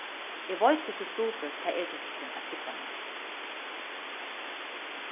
eg veit hvussu trupult tað er hjá tykkum at trúgva mær